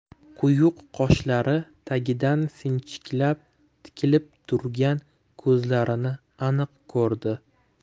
quyuq qoshlari tagidan sinchiklab tikilib turgan ko'zlarini aniq ko'rdi